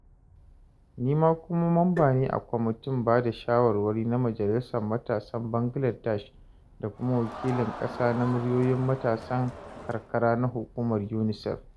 Ni ma kuma mamba ne na kwamitin ba da shawarwari na Majalisar Matasan Bangaladesh da kuma Wakilin Ƙasa na Muryoyin Matasan Karkara na Hukumar UNICEF.